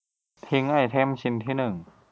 ทิ้งไอเทมชิ้นที่หนึ่ง